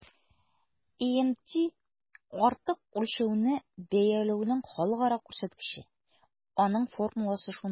ИМТ - артык үлчәүне бәяләүнең халыкара күрсәткече, аның формуласы шундый: